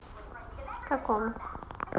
какому